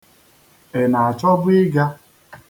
Ị na-achọbu ịga.